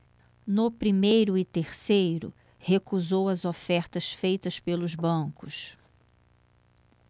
no primeiro e terceiro recusou as ofertas feitas pelos bancos